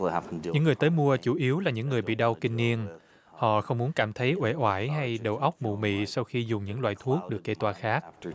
những người tới mua chủ yếu là những người bị đau kinh niên họ không muốn cảm thấy uể oải hay đầu óc mụ mị sau khi dùng những loại thuốc được kê toa khác